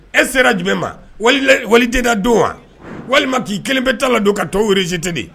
E sera jumɛn ma wali tɛda don wa walima k'i kelen bɛ ta la don ka to weteni